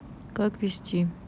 как вести